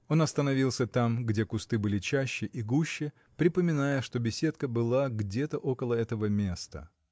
Он остановился там, где кусты были чаще и гуще, припоминая, что беседка была где-то около этого места.